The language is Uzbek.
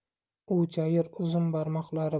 u chayir uzun barmoqlari